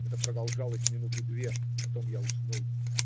Это продолжалось минуты две; потом я уснул.